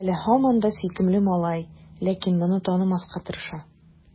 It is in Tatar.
Ул әле һаман да сөйкемле малай, ләкин моны танымаска тырыша.